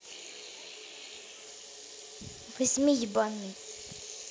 возьми ебаный